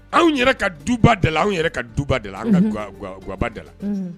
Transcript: Anw yɛrɛ ka duba la anw yɛrɛ ka duba gaba la